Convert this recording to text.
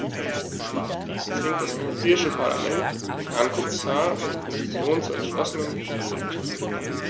Dies zwingt das Europäische Parlament, den Herrn Kommissar und die Kommission zu entschlossenem strategischen Handeln.